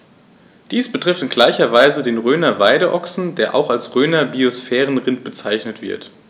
Dies betrifft in gleicher Weise den Rhöner Weideochsen, der auch als Rhöner Biosphärenrind bezeichnet wird.